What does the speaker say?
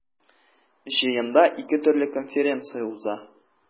Җыенда ике төрле конференция уза.